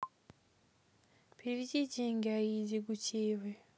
переведи деньги аиде гутиевой